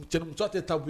So tɛ tabi